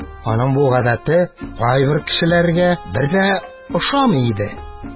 Аның бу гадәте кайбер кешеләргә бер дә ошамый иде.